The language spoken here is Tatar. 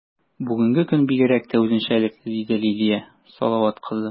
Бүгенге көн бигрәк тә үзенчәлекле, - диде Лилия Салават кызы.